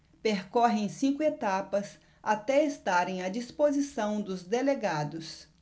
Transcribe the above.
percorrem cinco etapas até estarem à disposição dos delegados